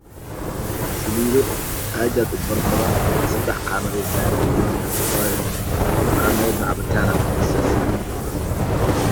Saliido aad iyo aad u fara badan wa saddex qaanaday saaranyihiin labo qanadoodna cabitaana ku rasteysan